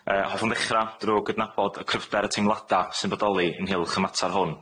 Yy hoffwn ddechra drw gydnabod y cryfder y teimlada' sy'n bodoli ynghylch y matar hwn.